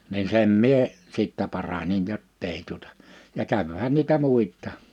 niin sen minä sitten paransin jotta ei tuota ja kävihän niitä muita